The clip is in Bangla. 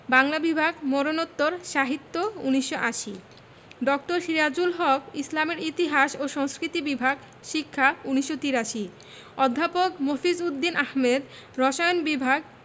বাংলা বিভাগ মরণোত্তর সাহিত্য ১৯৮০ ড. সিরাজুল হক ইসলামের ইতিহাস ও সংস্কৃতি বিভাগ শিক্ষা ১৯৮৩ অধ্যাপক মফিজ উদ দীন আহমেদ রসায়ন বিভাগ